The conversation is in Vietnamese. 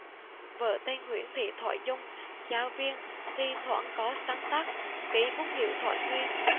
vợ tên nguyễn thị thoại dung giáo viên thi thoảng có sáng tác ký bút hiệu thoại nguyên